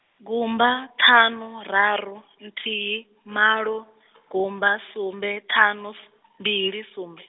gumba, ṱhanu, raru, nthihi, malo, gumba sumbe ṱhanu s- mbili sumbe.